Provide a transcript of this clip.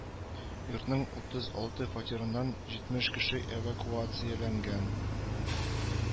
Йортның утыз алты фатирыннан җитмеш кеше эвакуацияләнгән